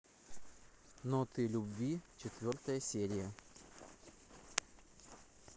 ноты любви четвертая серия